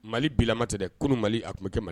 Mali bilama tɛ dɛ kunun mali a kun bɛ kɛ mali